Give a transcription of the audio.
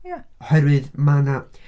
Ia... Oherwydd mae 'na...